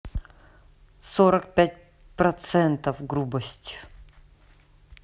сорок пять процентов грубость